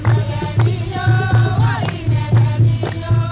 sanunɛgɛnin yo warinɛgɛnin yo